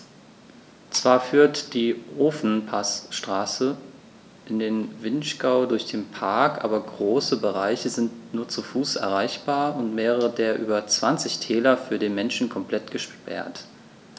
Zwar führt die Ofenpassstraße in den Vinschgau durch den Park, aber große Bereiche sind nur zu Fuß erreichbar und mehrere der über 20 Täler für den Menschen komplett gesperrt.